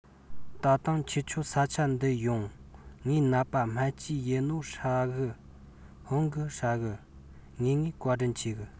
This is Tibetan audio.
ད ཐེངས ཁྱེད ཆོ ས ཆ འདི ཡོང ངས ནད པ སྨན བཅོས ཡས ནོ ཧོན གི ཧྲ གི ངེས ངེས བཀའ དྲིན ཆེ གི